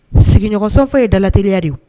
Sigiɲɔgɔnso fɔ ye dalaeliya de ye